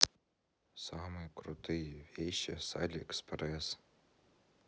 самые крутые вещи с алиэкспресс